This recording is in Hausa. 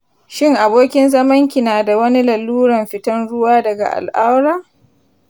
shin abokin zamanki na da wani laluran fitan ruwa daga al'aura?